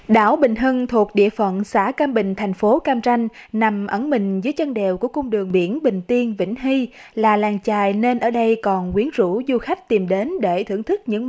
đảo bình hưng thuộc địa phận xã cam bình thành phố cam ranh nằm ẩn mình dưới chân đèo của cung đường biển bình tiên vĩnh hi là làng chài nên ở đây còn quyến rũ du khách tìm đến để thưởng thức những